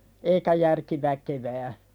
eikä järki väkevään